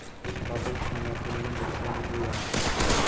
o'z qadr qimmatingni bilsang bu yaxshi